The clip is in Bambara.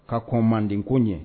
Ka kɔ manden ko ɲɛ